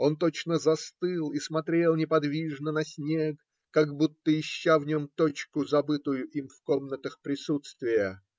Он точно застыл и смотрел неподвижно на снег, как будто ища в нем точку, забытую им в комнатах присутствия.